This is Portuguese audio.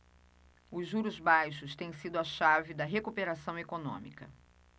os juros baixos têm sido a chave da recuperação econômica